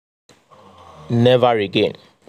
‘Never again’